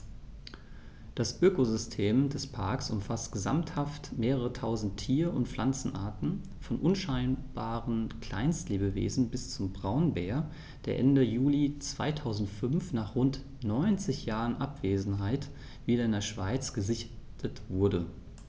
Das Ökosystem des Parks umfasst gesamthaft mehrere tausend Tier- und Pflanzenarten, von unscheinbaren Kleinstlebewesen bis zum Braunbär, der Ende Juli 2005, nach rund 90 Jahren Abwesenheit, wieder in der Schweiz gesichtet wurde.